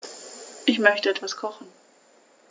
Ich möchte etwas kochen.